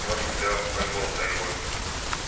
yoningda oyboltang bo'lsin